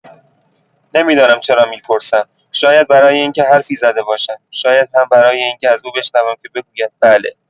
نمی‌دانم چرا می‌پرسم، شاید برای این‌که حرفی زده باشم، شاید هم برای این‌که از او بشنوم که بگوید بله!